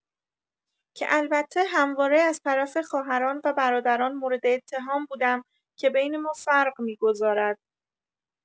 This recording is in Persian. که البته همواره از طرف خواهران و برادران مورد اتهام بودم که بین ما فرق می‌گذارد.